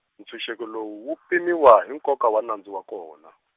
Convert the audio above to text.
ntshunxeko lowu wu pimiwa hi nkoka wa nandzu wa kona.